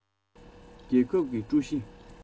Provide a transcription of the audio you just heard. རྒྱལ ཁབ ཀྱི ཀྲུའུ ཞི